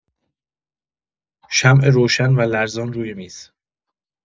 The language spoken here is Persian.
شمع روشن و لرزان روی میز